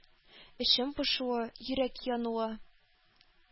Эчем пошуы, йөрәк януы.